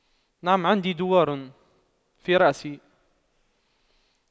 نعم عندي دوار في رأسي